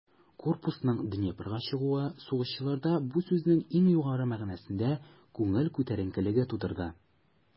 Корпусның Днепрга чыгуы сугышчыларда бу сүзнең иң югары мәгънәсендә күңел күтәренкелеге тудырды.